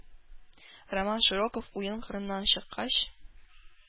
Роман Широков уен кырыннан чыккач,